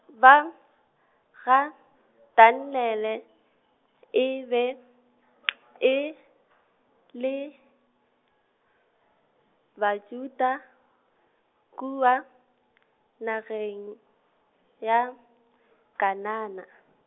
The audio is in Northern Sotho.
ba, gaDaniele , e be , e, le, Bajuda, kua , nageng, ya , Kanana.